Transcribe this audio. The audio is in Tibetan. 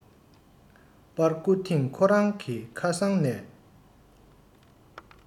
པར བསྐུར ཐེངས ཁོ རང གི ཁ སང ནས